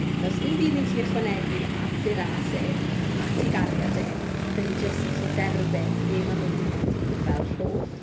Does dim byd ni'n gallu ychwanegu at ei ras e at ei gariad e dan ni jyst yn gallu derbyn be ma' fe 'di wneud i ni fel rhodd.